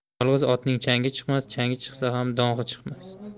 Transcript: yolg'iz otning changi chiqmas changi chiqsa ham dong'i chiqmas